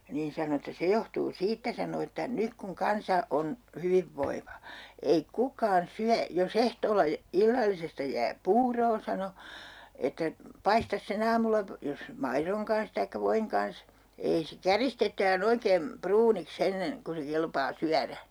niin sanoi että se johtuu siitä sanoi että nyt kun kansa on hyvinvoiva ei kukaan syö jos ehtoolla - illallisesta jää puuroa sanoi että paistaisi sen aamulla - jos maidon kanssa tai voin kanssa ei se käristetään oikein pruuniksi ennen kuin se kelpaa syödä